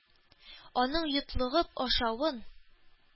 Аның йотлыгып ашавын,